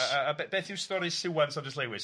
Yy yy a be- beth yw stori Siwan Saunders Lewis?